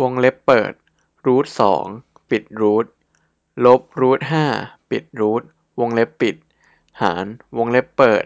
วงเล็บเปิดรูทสองปิดรูทลบรูทห้าปิดรูทวงเล็บปิดหารวงเล็บเปิด